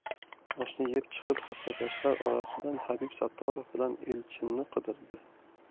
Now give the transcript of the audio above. oshni yeb chiqib hassakashlar orasidan habib sattorov bilan elchinni qidirdi